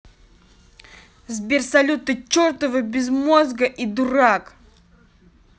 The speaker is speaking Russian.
сбер салют ты чертова безмозга и дурак